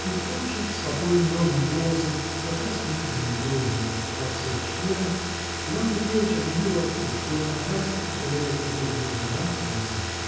И тут же спокойным, ровным голосом, хотя с внутренней дрожью во всех членах, Иван Петрович объявил отцу, что он напрасно укоряет его в безнравственности